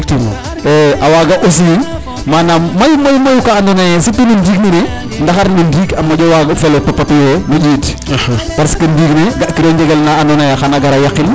A waaga aussi manaam mayu mayu ka andoona yee surtout no ndiig nene ndaxar no ndiig a moƴo waag o fel o topatu yee no ƴiid parce que ndiig ne ga'kiro njegel na andoona yee xan a gar a yaqin.